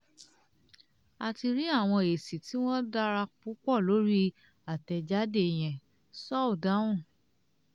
A ti rí àwọn èsì tí wọ́n dára púpọ̀ lórí àtẹ̀jáde yẹn," Sow dáhùn.